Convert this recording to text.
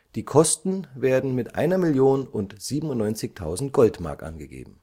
Die Kosten werden mit 1.097.000 Goldmark angegeben